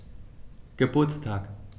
Geburtstag